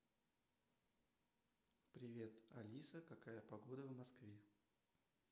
привет алиса какая погода в москве